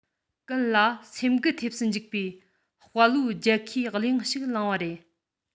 ཀུན ལ སེམས འགུལ ཐེབས སུ འཇུག པའི དཔའ བོའི རྒྱལ ཁའི གླུ དབྱངས ཤིག བླངས པ རེད